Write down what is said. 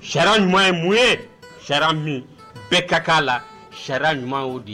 Sariya ɲuman ye mun ye? Sariya min bɛɛ ka kan la. Sariya ɲuman yo de ye.